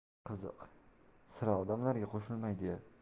qiziq sira odamlarga qo'shilmaydi ya